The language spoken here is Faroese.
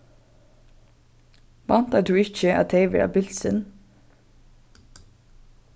væntar tú ikki at tey verða bilsin